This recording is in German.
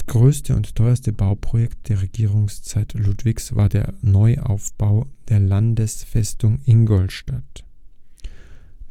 größte und teuerste Bauprojekt der Regierungszeit Ludwigs war der Neuaufbau der Landesfestung Ingolstadt.